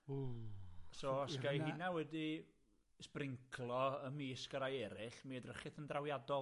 W! So os gai hynna wedi sbrinclo ymysg y rai erill, mi edrychith yn drawiadol.